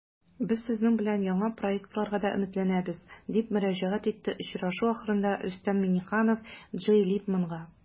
Без сезнең белән яңа проектларга да өметләнәбез, - дип мөрәҗәгать итте очрашу ахырында Рөстәм Миңнеханов Джей Литманга.